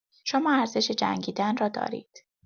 شما ارزش جنگیدن را دارید.